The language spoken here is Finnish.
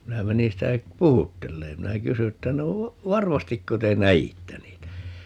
minä menin sitä puhuttelemaan minä kysyin että no varmastiko te näitte niitä